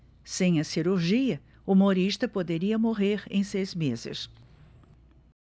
sem a cirurgia humorista poderia morrer em seis meses